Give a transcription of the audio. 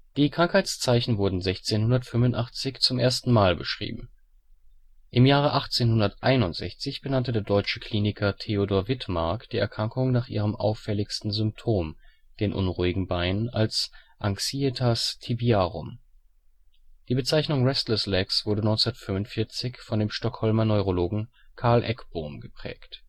Die Krankheitszeichen wurden 1685 zum ersten Mal beschrieben. Im Jahre 1861 benannte der deutsche Kliniker Theodor Wittmaack die Erkrankung nach ihrem auffälligsten Symptom, den unruhigen Beinen, als Anxietas tibiarum. Die Bezeichnung Restless Legs wurde 1945 von dem Stockholmer Neurologen Karl Ekbom geprägt